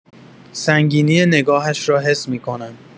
سنگینی نگاهش را حس می‌کنم.